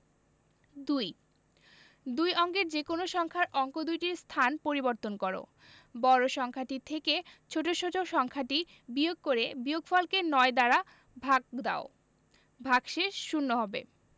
২ দুই অঙ্কের যেকোনো সংখ্যার অঙ্ক দুইটির স্থান পরিবর্তন কর বড় সংখ্যাটি থেকে ছোট ছোট সংখ্যাটি বিয়োগ করে বিয়োগফলকে ৯ দ্বারা ভাগ দাও ভাগশেষ শূন্য হবে